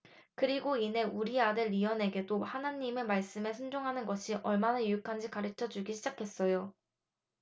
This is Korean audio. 그리고 이내 우리 아들 리언에게도 하느님의 말씀에 순종하는 것이 얼마나 유익한지 가르쳐 주기 시작했어요